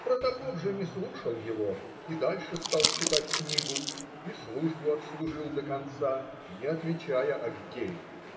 Протопоп же не слушал его и дальше стал читать книгу, и службу отслужил до конца, не отвечая Аггею.